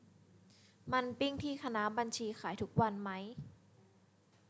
มันปิ้งที่คณะบัญชีขายทุกวันไหม